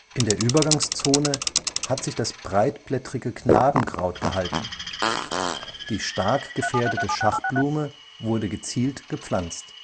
In der Übergangszone hat sich das Breitblättrige Knabenkraut gehalten. Die stark gefährdete Schachblume wurde gezielt gepflanzt